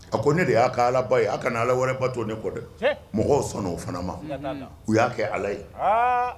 A ko ne de y'a ka alaba ye a ka kana ala wɛrɛ ba don ne kɔ dɛ mɔgɔw sɔnna o fana ma u y'a kɛ ala ye